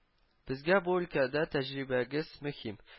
Безгә бу өлкәдә тәҗрибәгез мөһим